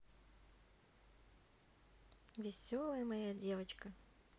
веселая моя девочка